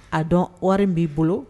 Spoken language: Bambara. A dɔn wari b'i bolo